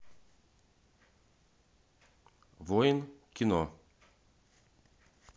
воин кино